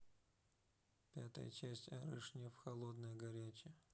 пятая часть арышнев холодное горячее